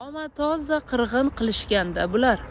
omma tozza qirg'in qilishgan da bular